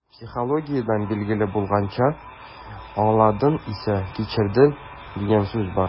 Психологиядән билгеле булганча, «аңладың исә - кичердең» дигән сүз бар.